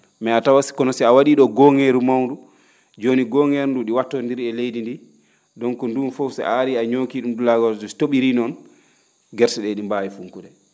mais a tawat si kono wa?ii ?oo go?eeru mawndu jooni goo?eeru nduu ?i wattondiri e leydi ndii donc ?uun fof si a arii a ñookii ?um dulaa gooro so to?irii noon gerte ?e ?i mbaawi fu?kude